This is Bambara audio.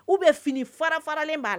U bɛ fini fara faralen baara la